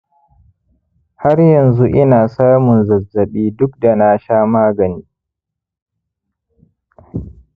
har yanzu ina samun zazzabi duk da nasha magani